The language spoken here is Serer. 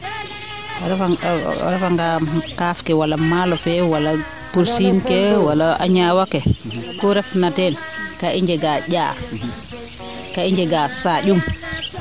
a refa ngaa kaaf ke wala maalo fee wala pursiin ke wala a ñaawa ke ku refna teen ka'i njega ƴaar kaa i njegaa sanjum